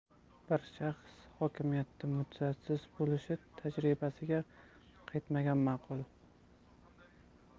bir shaxs hokimiyatda muddatsiz bo'lishi tajribasiga qaytmagan ma'qul